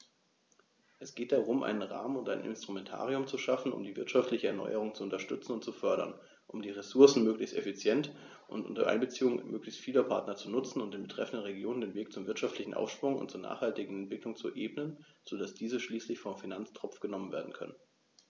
Es geht darum, einen Rahmen und ein Instrumentarium zu schaffen, um die wirtschaftliche Erneuerung zu unterstützen und zu fördern, um die Ressourcen möglichst effektiv und unter Einbeziehung möglichst vieler Partner zu nutzen und den betreffenden Regionen den Weg zum wirtschaftlichen Aufschwung und zur nachhaltigen Entwicklung zu ebnen, so dass diese schließlich vom Finanztropf genommen werden können.